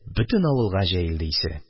Бөтен авылга җәелде исе.